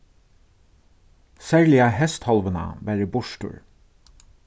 serliga heysthálvuna var eg burtur